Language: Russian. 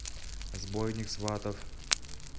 сборник сватов